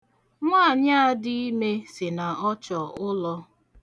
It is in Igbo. Nwaanyị a dị ime sị na ọ chọ ụlọ.